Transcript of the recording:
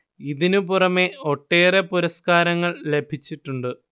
ഇതിനു പുറമെ ഒട്ടേറെ പുരസ്കാരങ്ങള്‍ ലഭിച്ചിട്ടുണ്ട്